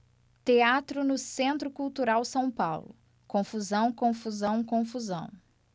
teatro no centro cultural são paulo confusão confusão confusão